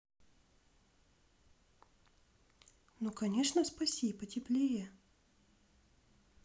ну конечно спаси потеплее